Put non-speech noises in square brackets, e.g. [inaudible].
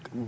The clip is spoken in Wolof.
[hesitation] [hesitation]